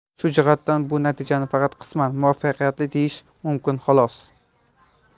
shu jihatdan bu natijani faqat qisman muvaffaqiyatli deyish mumkin xolos